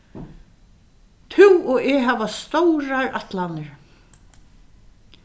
tú og eg hava stórar ætlanir